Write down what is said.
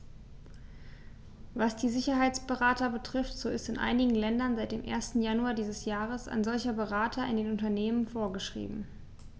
Was die Sicherheitsberater betrifft, so ist in einigen Ländern seit dem 1. Januar dieses Jahres ein solcher Berater in den Unternehmen vorgeschrieben.